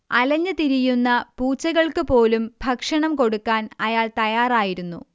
അലഞ്ഞ് തിരിയുന്ന പൂച്ചകൾക്ക് പോലും ഭക്ഷണം കൊടുക്കാൻ അയാൾ തയ്യാറായിരുന്നു